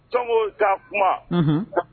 Tɔngo k'a kuma